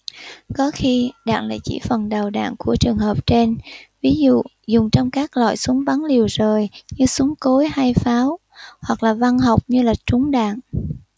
có khi đạn lại chỉ phần đầu đạn của trường hợp trên ví dụ dùng trong các loại súng bắn liều rời như súng cối hay pháo hoặc văn văn học như trúng đạn